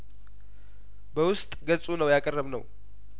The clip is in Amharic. በውስጥ ገጹ ነው ያቀረብ ነው